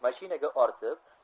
mashinaga ortib